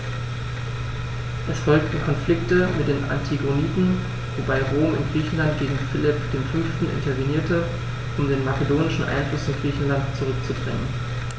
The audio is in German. Es folgten Konflikte mit den Antigoniden, wobei Rom in Griechenland gegen Philipp V. intervenierte, um den makedonischen Einfluss in Griechenland zurückzudrängen.